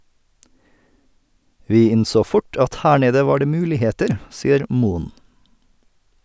Vi innså fort at her nede var det muligheter, sier Moen.